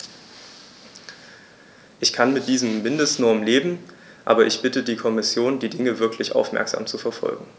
Ich kann mit diesen Mindestnormen leben, aber ich bitte die Kommission, die Dinge wirklich aufmerksam zu verfolgen.